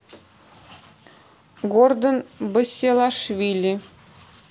гордон басилашвили